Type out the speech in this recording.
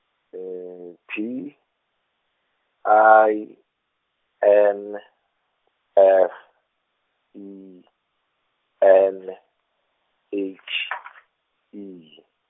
T I N F E N H E.